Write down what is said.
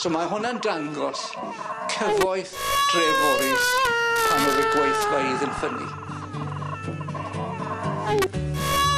So mae hwnna'n dangos cyfoeth Dreforys pan o'dd y gweithfeydd yn ffynnu.